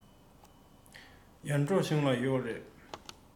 ཡར འབྲོག གཞུང ལ ཡོག རེད